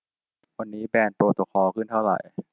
วันนี้แบรนด์โปรโตคอลขึ้นเท่าไหร่